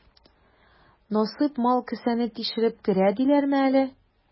Насыйп мал кесәне тишеп керә диләрме әле?